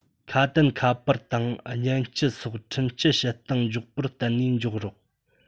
ཁ དན ཁ པར དང བརྙན སྐྱེལ སོགས འཕྲིན སྐྱེལ བྱེད སྟངས མགྱོགས པོར བརྟེན ནས འཇོག རིགས